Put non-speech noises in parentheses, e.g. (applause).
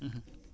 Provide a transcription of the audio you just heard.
(hesitation) (hesitation)